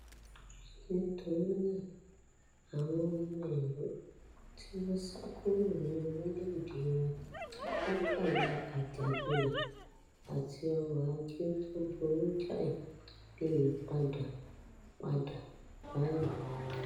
Nítorí náà, àwọn ọmọ ìlú tí wọ́n sá kúrò ní orílẹ̀-èdè wọn látàrí àjàngbilà àti ọrọ̀-ajé tó buŕ jáì lè padà padà báyìí.